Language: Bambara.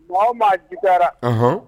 Bon maa ji kɛra ahɔn